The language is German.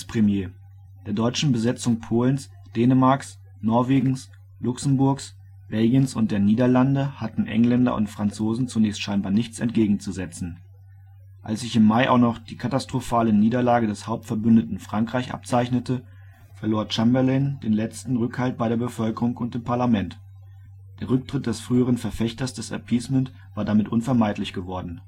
Der deutschen Besetzung Polens, Dänemarks, Norwegens, Luxemburgs, Belgiens und der Niederlande hatten Engländer und Franzosen zunächst scheinbar nichts entgegen zu setzen. Als sich im Mai auch noch die katastrophale Niederlage des Hauptverbündeten Frankreich abzeichnete, verlor Chamberlain den letzten Rückhalt bei der Bevölkerung und im Parlament. Der Rücktritt des früheren Verfechters des Appeasement war damit unvermeidlich geworden